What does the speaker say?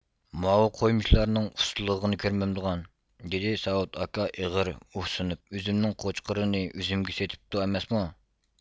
ماۋۇ قويمىچىلارنىڭ ئۇستىلىغىنى كۆرمەمدىغان دېدى ساۋۇت ئاكا ئېغىر ئۇھسىنىپ ئۆزۈمنىڭ قوچقىرىنى ئۆزۈمگە سېتىپتۇ ئەمەسمۇ